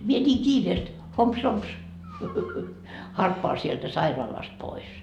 minä niin kiireesti homps homps harppaan sieltä sairaalasta pois